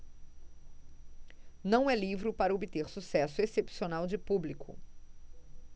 não é livro para obter sucesso excepcional de público